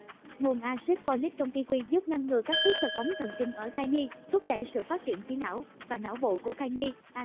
nguồn axit folic trong kiwi giúp ngăn ngừa các khuyết tật ống thần kinh ở thai nhi thúc đẩy sự phát triển trí não và não bộ của thai nhi